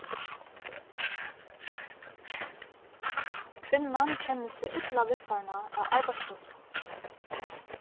kvinnan kennir seg illa viðfarna av arbeiðsplássinum